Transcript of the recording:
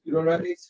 You all right?